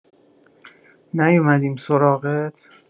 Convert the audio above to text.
نیومدیم سراغت؟